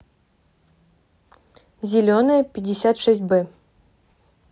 зеленая пятьдесят шесть б